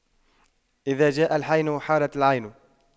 إذا جاء الحين حارت العين